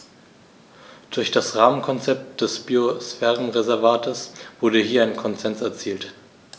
Durch das Rahmenkonzept des Biosphärenreservates wurde hier ein Konsens erzielt.